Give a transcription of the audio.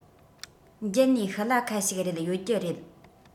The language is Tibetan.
འགྱེལ ནས ཤི ལ ཁད ཞིག རེད ཡོད རྒྱུ རེད